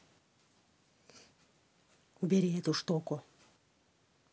убери эту штуку